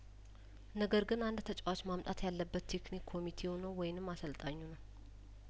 ነገር ግን አንድ ተጨዋች ማምጣት ያለበት ቴክኒክ ኮሚቴው ነው ወይም አሰልጣኙ ነው